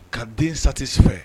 Ka den satisi fɛ